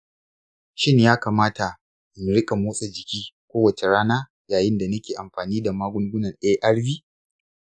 shin ya kamata in riƙa motsa jiki kowace rana yayin da nake amfani da magungunan arv?